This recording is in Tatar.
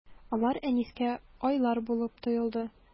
Алар Әнискә айлар булып тоелды.